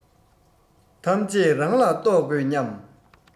ཐམས ཅད རང ལ གཏོགས དགོས སྙམ